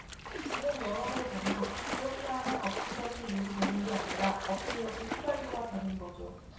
지금 여론을 보면 그렇게 하면 엎질러진 물이 되는 게 아니라 엎질러진 휘발유가 되는 거죠